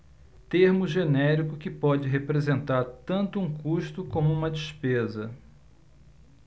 termo genérico que pode representar tanto um custo como uma despesa